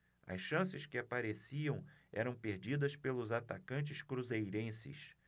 as chances que apareciam eram perdidas pelos atacantes cruzeirenses